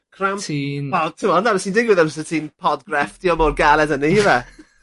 Cramp? Ti'n... O t'mod dyna sy'n digwydd amser ti'n podgrefftio mor galed â ni yfe?